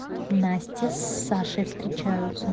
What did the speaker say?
настя с сашей встречаются